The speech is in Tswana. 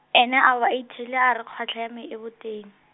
ene a bo a itheile a re kgwatlha ya me e boteng.